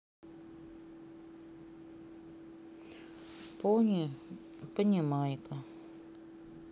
пони понимайка